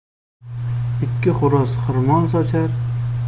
ikki xo'roz xirmon sochar